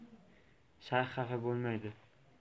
shayx xafa bo'lmaydi